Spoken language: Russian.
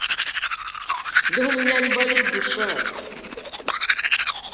да у меня не болит душа